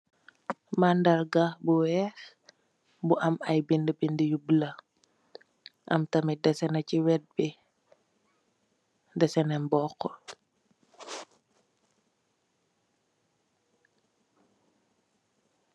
mandarga bu weex bu am ai binduh binduh yu bolo mu am ai desina si wetbi desene mboku.